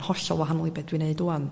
yn hollol wahanol i be dwi' neud ŵan